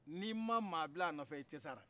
n'i ma maa bila nɔfɛ i t'a la